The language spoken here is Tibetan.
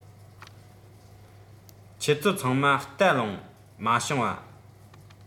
ཁྱེད ཚོ ཚང མ བལྟ ལོང མ བྱུང བ